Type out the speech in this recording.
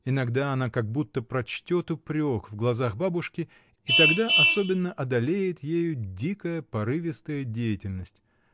Иногда она как будто прочтет упрек в глазах бабушки, и тогда особенно одолеет ею дикая, порывистая деятельность.